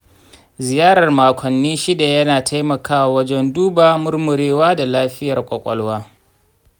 ziyarar makonni shida yana taimakawa wajen duba murmurewa da lafiyar ƙwaƙwalwa.